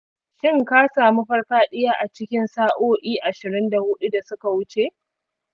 shin ka sami farfadiya a cikin sa'o'i ashirin da hudu da suka wuce